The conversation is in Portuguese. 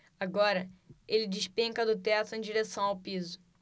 agora ele despenca do teto em direção ao piso